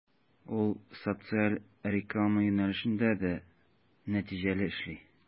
Ул социаль реклама юнәлешендә дә нәтиҗәле эшли.